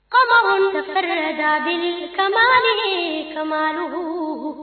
Faamakuntigɛ ja ka min kumadugu